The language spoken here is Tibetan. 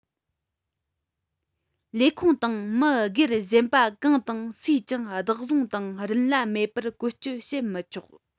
ལས ཁུངས དང མི སྒེར གཞན པ གང དང སུས ཀྱང བདག བཟུང དང རིན གླ མེད པར བཀོལ སྤྱོད བྱེད མི ཆོག